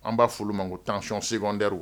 An b'a olu ma ko tancon sgɛr